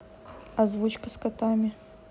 озвучка с котами